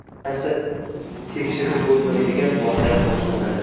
hech narsa tekshirib bo'lmaydigan voqea boshlanadi